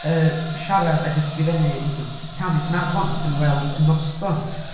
Yy, siarad ag ysgrifennu... sl- sillafu Caernarfon wnaethon ni weld yn .